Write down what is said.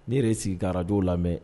Ne yɛrɛ si ga radio lamɛn.